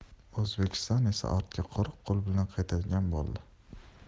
o'zbekiston esa ortga quruq qo'l bilan qaytadigan bo'ldi